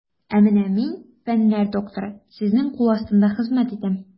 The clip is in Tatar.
Ә менә мин, фәннәр докторы, сезнең кул астында хезмәт итәм.